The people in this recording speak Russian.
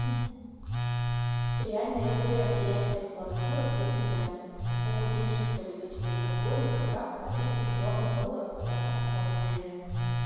реальная история о приятелях планокурах из майами умудрившихся выбить в пентагоне контракт на триста миллионов долларов на поставку оружия